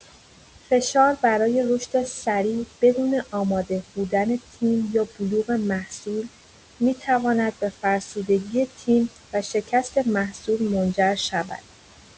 فشار برای رشد سریع، بدون آماده بودن تیم یا بلوغ محصول، می‌تواند به فرسودگی تیم و شکست محصول منجر شود.